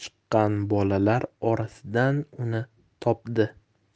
chiqqan bolalar orasidan uni topdi